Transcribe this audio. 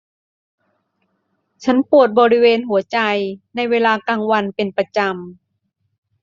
ฉันปวดบริเวณหัวใจในเวลากลางวันเป็นประจำ